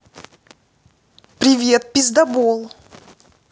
привет пиздабол